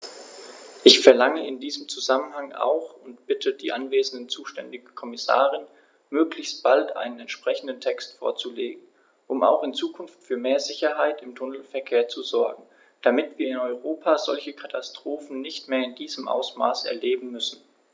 Ich verlange in diesem Zusammenhang auch und bitte die anwesende zuständige Kommissarin, möglichst bald einen entsprechenden Text vorzulegen, um auch in Zukunft für mehr Sicherheit im Tunnelverkehr zu sorgen, damit wir in Europa solche Katastrophen nicht mehr in diesem Ausmaß erleben müssen!